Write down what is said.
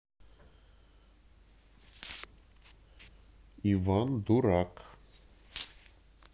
иван дурак